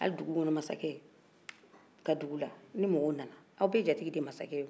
hali dugukɔnɔ masakɛ ka dugu la ni mɔgɔ nana a bɛɛ jatigiti de ye masakɛ o